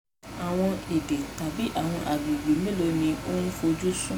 Àwọn èdè tàbí àwọn agbègbè mélòó ni ò ń fojú sùn?